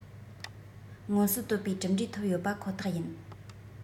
མངོན གསལ དོད པའི གྲུབ འབྲས ཐོབ ཡོད པ ཁོ ཐག ཡིན